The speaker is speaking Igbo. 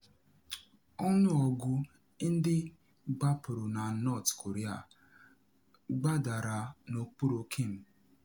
Ọnụọgụ ndị gbapụrụ na North Korea ‘gbadara’ n’okpuru Kim